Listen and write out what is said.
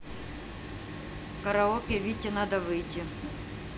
караоке вите надо выйти